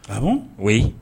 A o